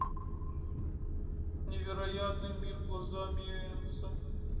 невероятный мир глазами энцо